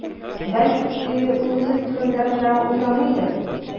Бәлки, ул үзе турында гына уйламыйдыр?